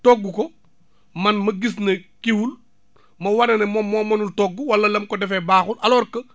togg ko man ma gis ne kiiwul ma wane ne moom moo mënul togg wala na mu ko defee baaxul alors que